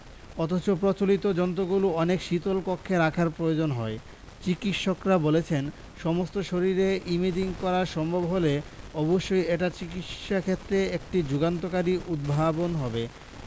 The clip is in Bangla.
অথচ প্রচলিত যন্ত্রগুলো অনেক শীতল কক্ষে রাখার প্রয়োজন হয় চিকিত্সকরা বলেছেন সমস্ত শরীরের ইমেজিং করা সম্ভব হলে অবশ্যই এটা চিকিত্সাক্ষেত্রে একটি যুগান্তকারী উদ্ভাবন হবে